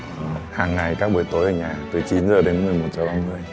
hàng ngày các bữa tối ở nhà từ chín giờ đến mười một giờ không về